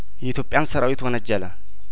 የኢትዮጵያን ሰራዊት ወነጀለ